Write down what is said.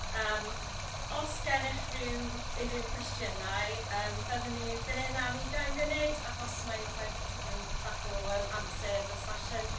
Yym os gennych rhyw... Unrhyw cwestiynau yym byddwn ni fan hyn am ugain funud, achos mae mae... mae tipyn bach o yym amser ar y sesiwn.